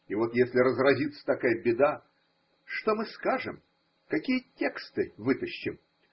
И вот, если разразится такая беда, что мы скажем, какие тексты вытащим?